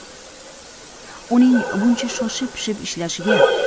uning buncha shoshib pishib ishlashiga